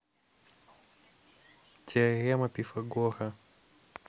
теорема пифагора